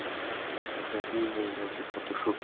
haqiqiymi yoki fotoshop